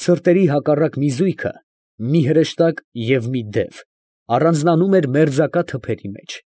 Սրտերի հակառակ մի զույգը ֊ մի հրեշտակ և մի դև ֊ առանձնանում էր մերձակա թփերի մեջ։